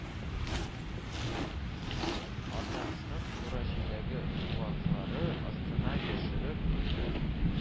Аннан соң кура җиләге куаклары астына яшереп куйды